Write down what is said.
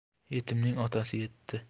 yetimning otasi yetti